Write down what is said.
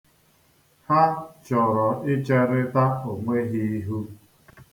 Ha chọrọ icherịta onwe ha ihu.